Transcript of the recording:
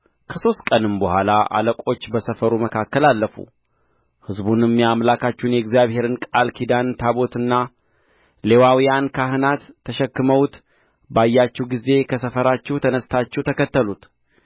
ከሦስት ቀንም በኋላ አለቆች በሰፈሩ መካከል አለፉ ሕዝቡን የአምላካችሁን የእግዚአብሔርን ቃል ኪዳን ታቦትና ሌዋውያን ካህናት ተሸክመውት ባያችሁ ጊዜ ከሰፈራችሁ ተነስታችሁ ተከተሉት